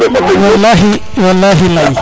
walahi walahi leyi